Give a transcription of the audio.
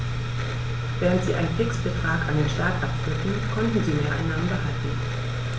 Während sie einen Fixbetrag an den Staat abführten, konnten sie Mehreinnahmen behalten.